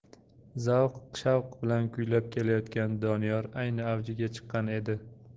zavq shavq bilan kuylab kelayotgan doniyor ayni avjiga chiqqan edi